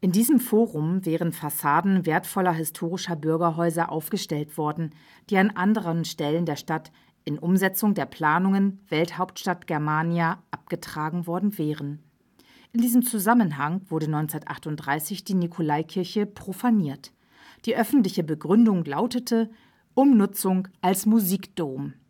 diesem Forum wären Fassaden wertvoller historischer Bürgerhäuser aufgestellt worden, die an anderen Stellen der Stadt in Umsetzung der Planungen Welthauptstadt Germania abgetragen worden wären. In diesem Zusammenhang wurde 1938 die Nikolaikirche profaniert; die öffentliche Begründung lautete „ Umnutzung als Musikdom